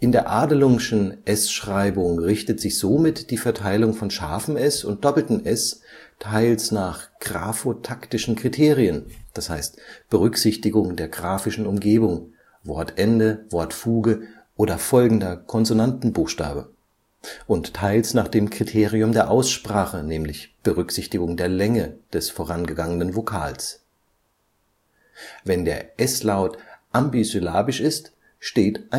der Adelungschen s-Schreibung richtet sich somit die Verteilung von ß und ss teils nach graphotaktischen Kriterien (Berücksichtigung der graphischen Umgebung: Wortende, Wortfuge oder folgender Konsonantenbuchstabe) und teils nach dem Kriterium der Aussprache (Berücksichtigung der Länge des vorangehenden Vokals). Wenn der s-Laut ambisyllabisch ist, steht